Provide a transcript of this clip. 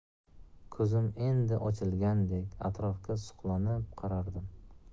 ko'zim endi ochilgandek atrofga suqlanib qarardim